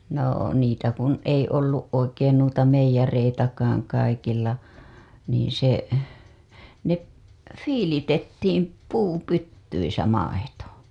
no niitä kun ei ollut oikein noita meijereitäkään kaikilla niin se ne viilitettiin puupytyissä maito